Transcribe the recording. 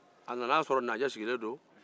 a nan sorɔ naajɛ sigilen don